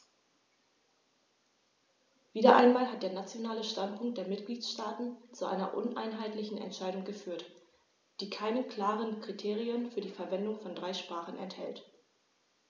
Wieder einmal hat der nationale Standpunkt der Mitgliedsstaaten zu einer uneinheitlichen Entscheidung geführt, die keine klaren Kriterien für die Verwendung von drei Sprachen enthält.